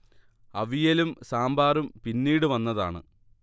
അവിയലും സാമ്പാറും പിന്നീട് വന്നതാണ്